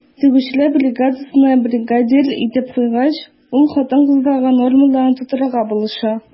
Тегүчеләр бригадасына бригадир итеп куйгач, ул хатын-кызларга нормаларын тутырырга булыша.